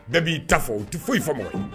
Bɛɛ b'i ta fɔ tɛ foyi' fa ma